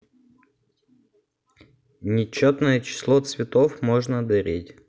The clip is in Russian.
нечетное число цветов можно дарить